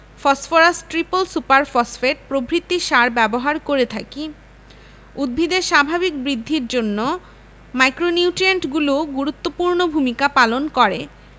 phosphorus triple super phosphate প্রভৃতি সার ব্যবহার করে থাকি উদ্ভিদের স্বাভাবিক বৃদ্ধির জন্য মাইক্রোনিউট্রিয়েন্টগুলোও গুরুত্বপূর্ণ ভূমিকা পালন করে